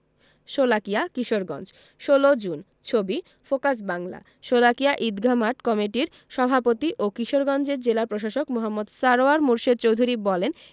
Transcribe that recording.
Sholakia Kishoreganj ১৬ June ছবি Focus বাংলাশোলাকিয়া ঈদগাহ মাঠ কমিটির সভাপতি ও কিশোরগঞ্জের জেলা প্রশাসক মো. সারওয়ার মুর্শেদ চৌধুরী বলেন